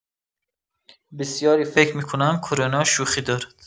بسیاری فکر می‌کنند کرونا شوخی دارد.